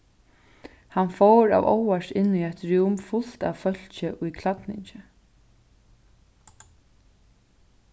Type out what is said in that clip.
hann fór av óvart inn í eitt rúm fult av fólki í klædningi